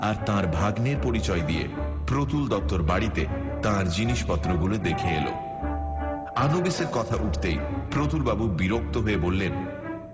আর তার ভাগনের পরিচয় দিয়ে প্রতুল দত্তর বাড়িতে তার জিনিস গুলো দেখে এল আনুবিসের কথা উঠতেই প্রতুল বাবু বিরক্ত হয়ে বললেন